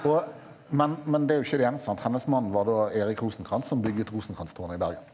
og men men det er jo ikke det eneste sant hennes mann var da Erik Rosenkrantz som bygget Rosenkranztårnet i Bergen.